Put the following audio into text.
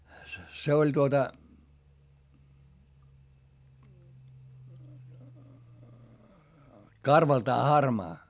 se oli tuota karvaltaan harmaa